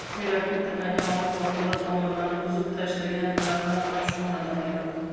yurakni tirnagan oxir oqibat tomirlarni uzib tashlagan alamlar ham shu xonada qoladi